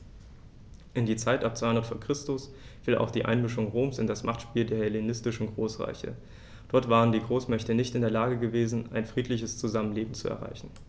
In die Zeit ab 200 v. Chr. fiel auch die Einmischung Roms in das Machtspiel der hellenistischen Großreiche: Dort waren die Großmächte nicht in der Lage gewesen, ein friedliches Zusammenleben zu erreichen.